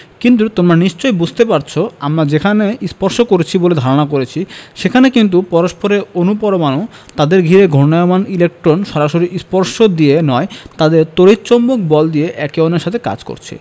কিন্তু তোমরা নিশ্চয়ই বুঝতে পারছ আমরা যেখানে স্পর্শ করছি বলে ধারণা করছি সেখানে কিন্তু পরস্পরের অণু পরমাণু তাদের ঘিরে ঘূর্ণায়মান ইলেকট্রন সরাসরি স্পর্শ দিয়ে নয় তাদের তড়িৎ চৌম্বক বল দিয়ে একে অন্যের সাথে কাজ করছে